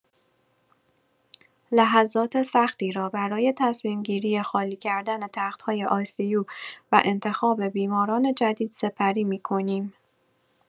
لحظات سختی را برای تصمیم‌گیری خالی کردن تخت‌های آی‌سی‌یو و انتخاب بیماران جدید سپری می‌کنیم